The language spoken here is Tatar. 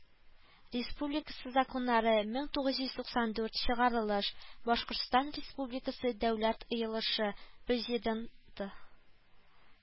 Республикасы законнары, мең тугыз йөз туксан дүрт, чыгарылыш; Башкортстан Республикасы Дәүләт ыелышы, Президенты